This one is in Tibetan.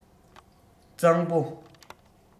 གཙང པོ